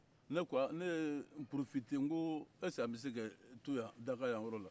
n ko a ne ye n porofite n ko esike an bɛ se ka to yan daga yan yɛrɛ la